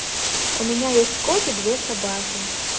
у меня есть кот и две собаки